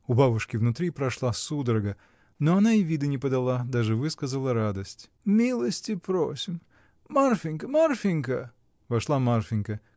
У бабушки внутри прошла судорога, но она и вида не подала, даже выказала радость. — Милости просим. Марфинька, Марфинька! Вошла Марфинька.